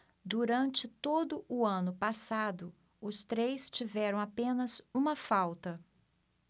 durante todo o ano passado os três tiveram apenas uma falta